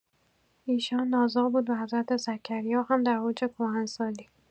ایشاع نازا بود و حضرت زکریا هم در اوج کهنسالی